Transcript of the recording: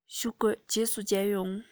བཞུགས དགོས རྗེས སུ མཇལ ཡོང